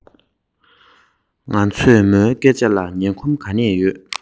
འོ མ དཀར པོ གང བླུགས རྗེས སྐད ཆ